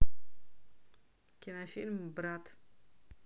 кинофильм брат